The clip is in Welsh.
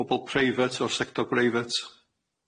Pobol preifat o'r sector breifat.